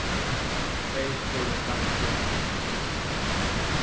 tvey skorin franskbreyð